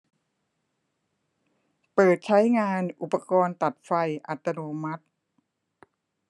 เปิดใช้งานอุปกรณ์ตัดไฟอัตโนมัติ